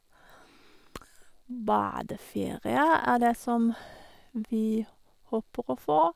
Badeferie er det som vi håper å få.